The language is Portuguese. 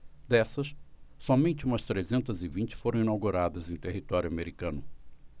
dessas somente umas trezentas e vinte foram inauguradas em território americano